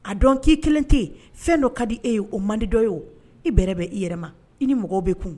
A dɔn k'i kelen tɛ yen fɛn dɔ ka di e ye o mandi dɔ ye i bɛ bɛ i yɛrɛ ma i ni mɔgɔw bɛ kun